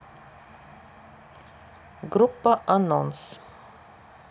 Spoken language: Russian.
группа анонс